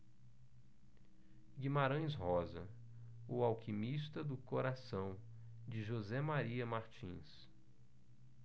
guimarães rosa o alquimista do coração de josé maria martins